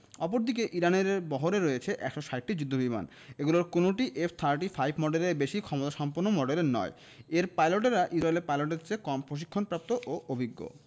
অপরদিকে ইরানের বহরে রয়েছে ১৬০টি যুদ্ধবিমান এগুলোর কোনোটিই এফ থার্টি ফাইভ মডেলের বেশি ক্ষমতাসম্পন্ন মডেলের নয় এর পাইলটেরা ইসরায়েলের পাইলটদের চেয়ে কম প্রশিক্ষণপ্রাপ্ত ও অভিজ্ঞ